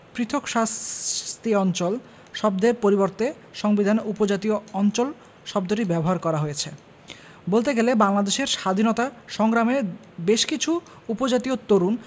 পৃথক শাস্তি অঞ্চল শব্দের পরিবর্তে সংবিধানে উপজাতীয় অঞ্চল শব্দটি ব্যবহার করা হয়েছে বলতে গেলে বাংলাদেশের স্বাধীনতা সংগ্রামে বেশকিছু উপজাতীয় তরুণ